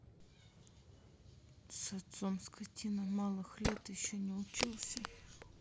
с отцом скотина малых лет еще не учился